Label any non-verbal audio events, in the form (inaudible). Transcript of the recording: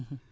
(hesitation) (hesitation)